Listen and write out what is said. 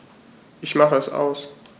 Ich mache es aus.